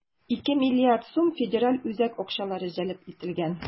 2 млрд сум федераль үзәк акчалары җәлеп ителгән.